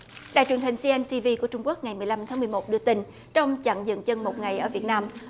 đài truyền hình xi en ti vi của trung quốc ngày mười lăm tháng mười một đưa tin trong chặng dừng chân một ngày ở việt nam